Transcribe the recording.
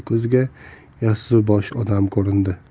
shang'illadi ko'ziga yassibosh odam ko'rindi